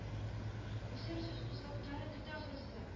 Үзем сүз кузгатканны көтә ахрысы